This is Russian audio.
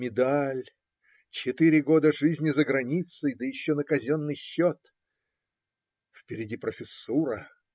Медаль, четыре года жизни за границей, да еще на казенный счет, впереди профессура.